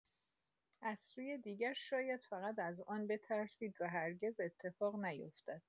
از سوی دیگر، شاید فقط از آن بترسید و هرگز اتفاق نیفتد.